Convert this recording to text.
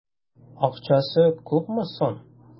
Акчасы күпме соң?